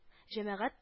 Җәмәгать